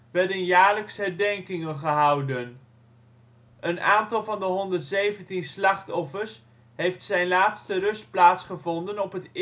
werden jaarlijks herdenkingen gehouden. Een aantal van de 117 slachtoffers heeft zijn laatste rustplaats gevonden op het